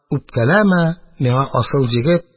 Үпкәләмә миңа, асыл егет,